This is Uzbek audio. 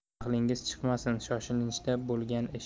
jahlingiz chiqmasin shoshilinchda bo'lgan ish